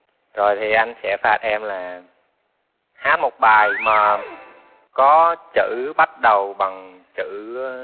rồi thì anh sẽ phạt em là hát một bài mà có chữ bắt đầu bằng chữ